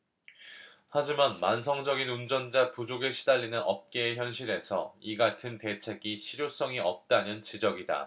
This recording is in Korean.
하지만 만성적인 운전자 부족에 시달리는 업계의 현실에서 이 같은 대책이 실효성이 없다는 지적이다